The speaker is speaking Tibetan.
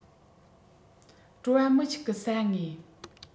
བྲོ བ མི ཞིག གིས ཟ ངེས